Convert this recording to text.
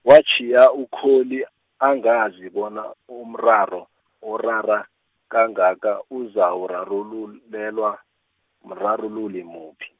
watjhiya Ukholi angazi bona umraro, orara, kangaka uzawurarululelwa, mrarululi muphi.